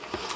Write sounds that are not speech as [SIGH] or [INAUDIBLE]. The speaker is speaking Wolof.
[HESITATION] [HESITATION]